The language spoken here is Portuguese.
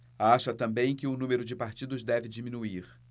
acha também que o número de partidos deve diminuir